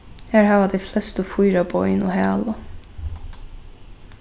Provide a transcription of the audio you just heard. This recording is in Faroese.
her hava tey flestu fýra bein og hala